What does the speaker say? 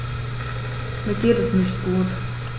Mir geht es nicht gut.